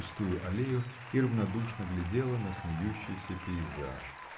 густую аллею и равнодушно глядела на смеющийся пейзаж.